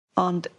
Ond